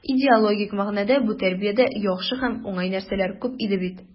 Идеологик мәгънәдә бу тәрбиядә яхшы һәм уңай нәрсәләр күп иде бит.